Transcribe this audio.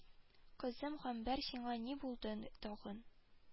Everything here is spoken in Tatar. Кызым гамбәр сиңа ни булды тагын